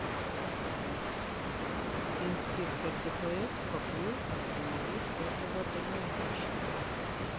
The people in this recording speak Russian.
инспектор дпс поплыл остановив этого дальнобойщика